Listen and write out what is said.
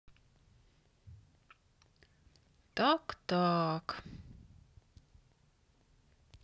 так так